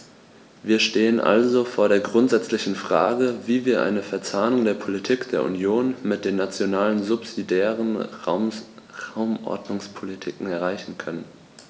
Wir stehen also vor der grundsätzlichen Frage, wie wir eine Verzahnung der Politik der Union mit den nationalen subsidiären Raumordnungspolitiken erreichen können.